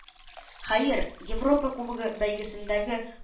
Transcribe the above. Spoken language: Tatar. Хәер, Европа Кубогы бәйгесендәге